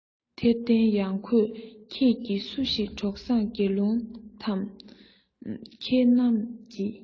དེར བརྟེན ཡང གོས ཁྱེད ཀྱི སུ ཞིག གྲོགས བཟང དགེ སློང དག གམ མཁས རྣམས ཀྱིས